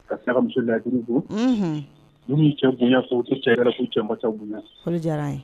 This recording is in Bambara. Ka tila ka muso jugu bon n' cɛ bonya fɛ u tɛ cɛ yɛrɛ' cɛma bonyayan